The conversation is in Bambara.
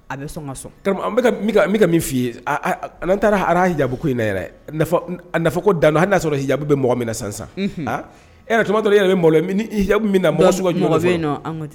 A ka bɛka ka min fɔ' ye n taara ara jako in na yɛrɛfɔ ko dan hali'a sɔrɔ jabu bɛ mɔgɔ min na san ɛ tuma dɔ e yɛrɛ ka